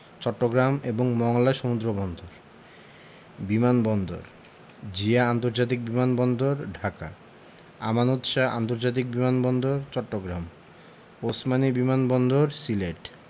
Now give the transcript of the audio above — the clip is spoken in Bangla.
চট্টগ্রাম এবং মংলা সমুদ্রবন্দর বিমান বন্দরঃ জিয়া আন্তর্জাতিক বিমান বন্দর ঢাকা আমানত শাহ্ আন্তর্জাতিক বিমান বন্দর চট্টগ্রাম ওসমানী বিমান বন্দর সিলেট